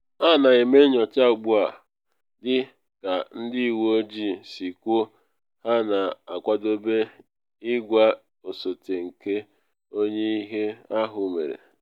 A na eme nnyocha ugbu a dị ka ndị uwe ojii si kwuo ha na akwadobe ịgwa osote nke onye ihe ahụ mere.